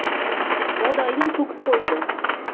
bug'doyni to'kib qo'ydi